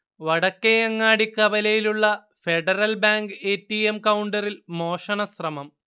വടക്കേ അങ്ങാടി കവലയിലുള്ള Federal Bank A. T. M കൗണ്ടറിൽ മോഷണശ്രമം